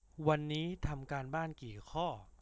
วันนี้ทำการบ้านกี่ข้อ